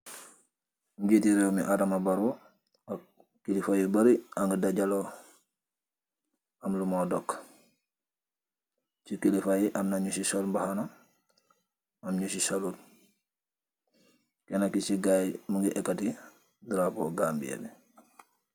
Ngiiti rew mi Adama Barrow ak kilifa yu barri dejello am lumo dok, ci kilifa yi am na ñi ci sol mbàxna am ngi ci sollut, kenna ki ci gayi bu ngi ekati darapóó Gambia.